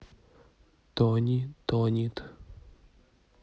тони тонит